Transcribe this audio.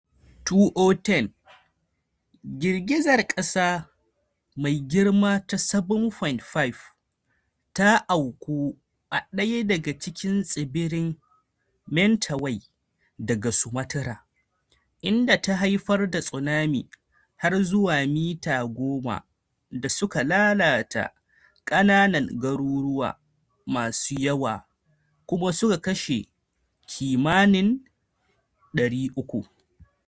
2010: Girgizar kasa mai girma ta 7.5 ta auku a daya daga cikin tsibirin Mentawai, daga Sumatra, inda ta haifar da tsunami har zuwa mita 10 da suka lalata kananan garuruwa masu yawa kuma suka kashe kimanin mutane 300.